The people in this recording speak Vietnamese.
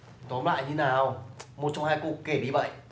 tóm lại như nào một trong hai cô kể đi vậy